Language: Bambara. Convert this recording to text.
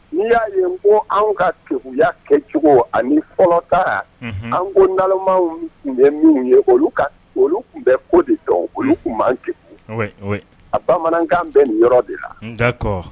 Nii y'a ye ko anw ka kɛ kɛkuya cogo ani fɔlɔ ta unhun, an ko naloma tun ye minnu ye olu tun bɛ ko kɛ , a bamanankan bɛ nin yɔrɔ de la!